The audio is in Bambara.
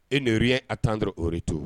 E nirey a tan d ore to